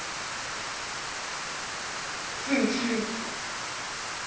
сын шлюхи